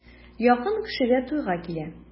Якын кешегә туйга килә.